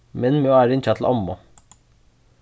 minn meg á at ringja til ommu